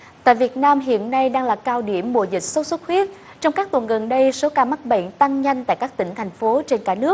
tại việt nam hiện nay đang là cao điểm mùa dịch sốt xuất huyết trong các tuần gần đây số ca mắc bệnh tăng nhanh tại các tỉnh thành phố trên cả nước